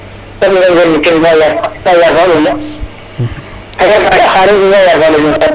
kene na laltuye fa yar fa yo,